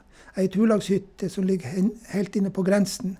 Ei turlagshytte som ligger hen helt inne på grensen.